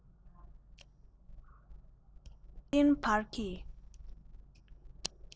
དངོས བདེན བར གྱི